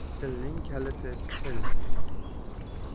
dilning kaliti til